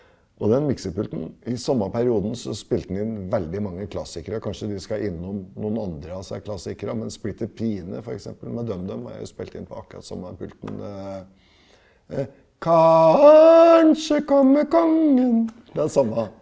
og den miksepulten i samme perioden så spilte den inn veldig mange klassikere, kanskje vi skal innom noen andre av disse klassikerne, men Splitter Pine f.eks. med DumDum er jo spilt inn på akkurat samme pulten det kanskje kommer kongen, det er samme.